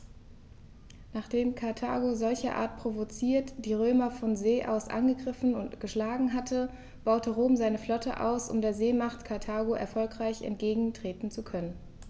Nachdem Karthago, solcherart provoziert, die Römer von See aus angegriffen und geschlagen hatte, baute Rom seine Flotte aus, um der Seemacht Karthago erfolgreich entgegentreten zu können.